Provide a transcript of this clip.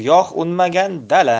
giyoh unmagan dala